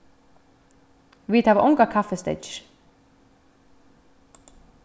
vit hava ongar kaffisteðgir